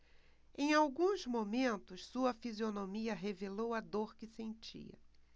em alguns momentos sua fisionomia revelou a dor que sentia